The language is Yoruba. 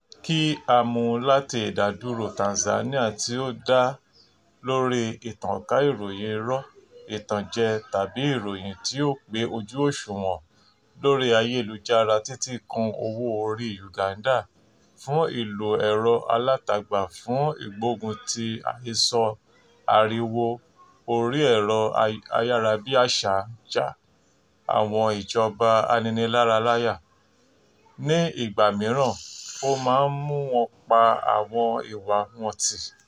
Kí a mú un láti Ìdádúró Tanzania tí ó dá lóríi ìtànká "ìròyìn irọ́, ìtànjẹ, tàbí ìròyìn tí ò pé ojú òṣùwọ̀n" lórí ayélujára títí kan owó-orí Uganda fún ìlò ẹ̀rọ-alátagbà fún ìgbógunti "àhesọ", ariwo orí ẹ̀rọ-ayárabíaṣá ń já àwọn ìjọba aninilára láyà. Ní ìgbà mìíràn, ó máa mú wọn pa àwọn ìwàa wọn tì.